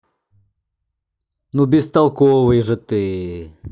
ну бестолковые же ты